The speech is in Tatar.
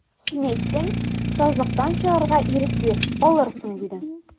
Син әйттең, сазлыктан чыгарга ирек бир, алырсың, дидең.